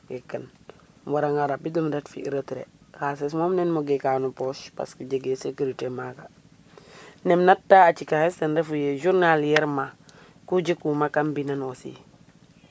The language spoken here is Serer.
Gekan um waranga rabid um ret fi' retrait xaalises moom neen mo geka no poche parce que jegee securité maaga neem nattaa a cikaxes ten refu yee journalierement kum jikwuuma kam bindan aussi,